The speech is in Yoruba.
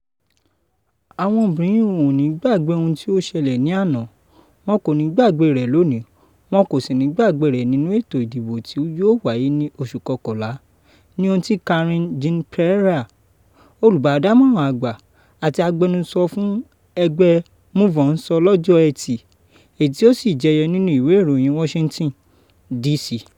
"“Àwọn obìnrin ò ní gbàgbé ohun tí ó ṣẹlẹ̀ ní àná, wọn kò ní gbàgbé rẹ̀ lónìí, wọn kò sì ní gbàgbé rẹ̀ nínú ètò ìdìbò tí yóò wáyé ní oṣù kọọkànlá” ni ohun tí Karine Jean-Pierre, olùbádámọ̀ràn àgbà àti agbẹnusọ gbogbo fún ẹgbẹ́ MoveOn sọ lọ́jọ Ẹtì, èyí tí ó sì jẹyọ nínú ìwé ìròyìn Washington, D.C.